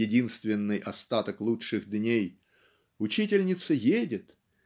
единственный остаток лучших дней учительница едет